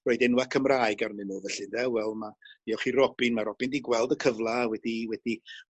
roid enwa Cymraeg arnyn n'w felly nde wel ma' gewch chi robin ma' robin 'di gweld y cyfla wedi wedi